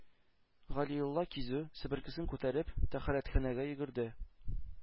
Галиулла кизү, себеркесен күтәреп, тәһарәтханәгә йөгерде.